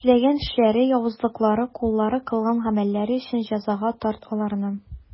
Эшләгән эшләре, явызлыклары, куллары кылган гамәлләре өчен җәзага тарт аларны.